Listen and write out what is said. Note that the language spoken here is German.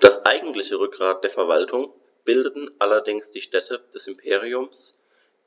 Das eigentliche Rückgrat der Verwaltung bildeten allerdings die Städte des Imperiums,